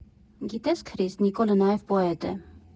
Գիտե՞ս, Քրիս, Նիկոլը նաև պոետ է։